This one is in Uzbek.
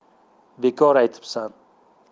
bekor aytibsan